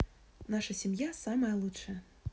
наша семья самая лучшая